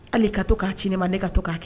Hali ka to k'a cin ma ne ka to k'a kɛ